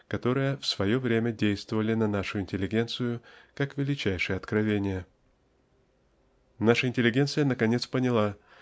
которые в свое время действовали на нашу интеллигенцию как величайшие откровения. Наша интеллигенция наконец поняла